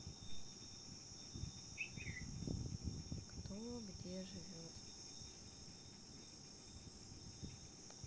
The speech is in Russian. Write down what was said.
кто где живет